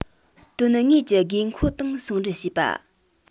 དོན དངོས ཀྱི དགོས མཁོ དང ཟུང འབྲེལ བྱེད པ